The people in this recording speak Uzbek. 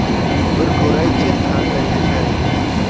bir ko'ray chi qanday yashar ekan